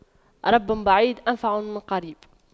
رب بعيد أنفع من قريب